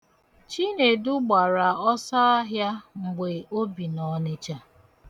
Chinedu gbara ọsọahịa mgbe ọ bi n'Ọnịcha.